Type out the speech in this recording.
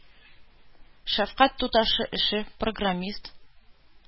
Шәфкать туташы эше, программист